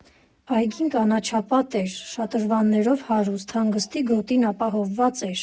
Այգին կանաչապատ էր, շատրվաններով հարուստ, հանգստի գոտին ապահովված էր։